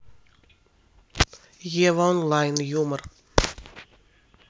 ева онлайн юмор